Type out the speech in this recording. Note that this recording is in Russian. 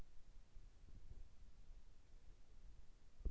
вы по тебе скучали